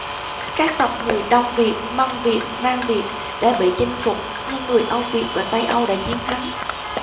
các tộc người đông việt mân việt nam việt đã bị chinh phục nhưng người âu việt và tây âu đã chiến thắng